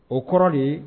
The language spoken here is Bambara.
O kɔrɔ de